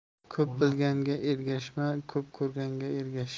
ko'p bilganga ergashma ko'p ko'rganga ergash